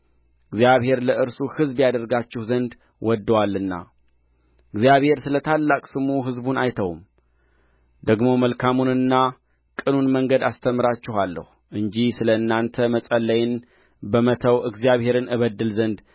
እግዚአብሔር ለእርሱ ሕዝብ ያደርጋችሁ ዘንድ ወድዶአልና እግዚአብሔር ስለ ታላቅ ስሙ ሕዝቡን አይተውም ደግሞ መልካሙንና ቅኑን መንገድ አስተምራችኋለሁ እንጂ ስለ እናንተ መጸለይን በመተው እግዚአብሔርን እበድል ዘንድ